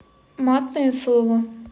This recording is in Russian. матное слово